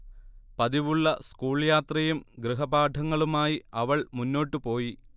പതിവുള്ള school യാത്രയും ഗൃഹപാഠങ്ങളുമായി അവൾ മുന്നോട്ടുപോയി